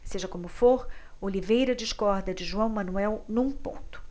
seja como for oliveira discorda de joão manuel num ponto